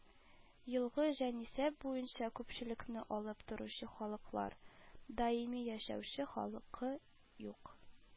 Елгы җанисәп буенча күпчелекне алып торучы халыклар: даими яшәүче халкы юк